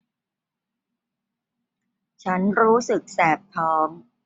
ฉันรู้สึกแสบท้อง